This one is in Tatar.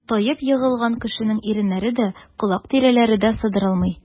Таеп егылган кешенең иреннәре дә, колак тирәләре дә сыдырылмый.